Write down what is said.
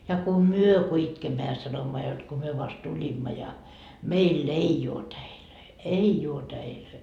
ja kun me kun itkemme ja sanomme jotta kun me vasta tulimme ja meillä ei ole täitä ei ole täitä